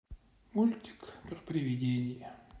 мультик про приведение